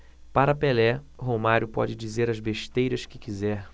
para pelé romário pode dizer as besteiras que quiser